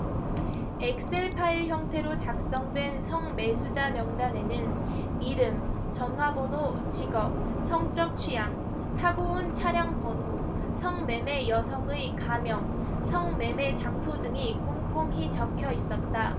엑셀파일 형태로 작성된 성매수자 명단에는 이름 전화번호 직업 성적 취향 타고 온 차량 번호 성매매 여성의 가명 성매매 장소 등이 꼼꼼히 적혀 있었다